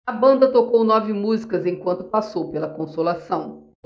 a banda tocou nove músicas enquanto passou pela consolação